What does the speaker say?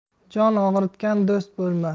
jon og'ritgan do'st bo'lmas